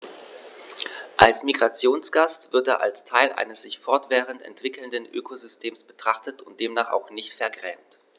Als Migrationsgast wird er als Teil eines sich fortwährend entwickelnden Ökosystems betrachtet und demnach auch nicht vergrämt.